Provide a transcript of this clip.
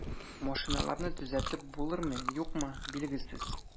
Машиналарны төзәтеп булырмы, юкмы, билгесез.